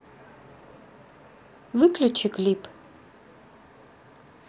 выключи клип